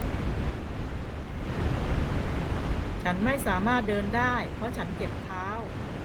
ฉันไม่สามารถเดินได้เพราะฉันเจ็บเท้า